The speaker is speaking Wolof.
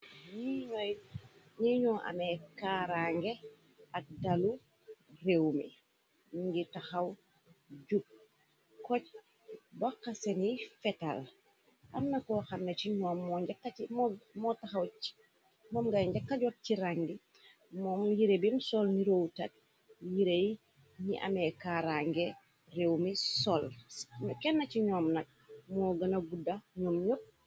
Nye nuy nye nu amee kaarange ak dalu réew mi nuge taxaw jub koj boxq seni fetal amnako xamna ci ñom moo nyeka se mum mo taxaw che mum ngay njàkka jot ci ràngi mum yiree bim soll neruwutak yire ye ñi amee kaarange réew mi soll kena ci ñoom nag moo gëna gudda ñoom ñepp.